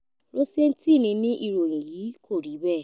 Rosenstein ní ìròyìn yí kò rí bẹ́ẹ̀.